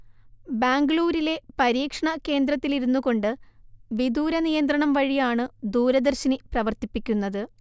ബാംഗ്ലൂരിലെ പരീക്ഷണ കേന്ദ്രത്തിലിരുന്നുകൊണ്ട് വിദൂരനിയന്ത്രണം വഴിയാണ് ദൂരദർശിനി പ്രവർത്തിപ്പിക്കുന്നത്